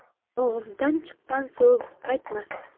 og'izdan chiqqan so'z qaytmas